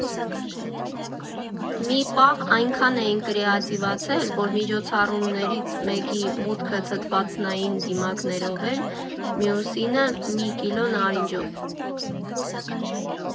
Մի պահ այնքան էինք կրեատիվացել, որ միջոցառումներից մեկի մուտքը թթվածնային դիմակներով էր, մյուսինը՝ մի կիլո նարինջով։